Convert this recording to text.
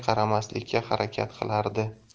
qaramaslikka harakat qilardi